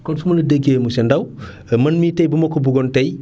kon su ma la déggee monsieur Ndao man mii tey bu ma ko bëggoon tey